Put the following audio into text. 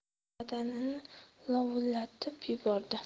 badanini lovullatib yubordi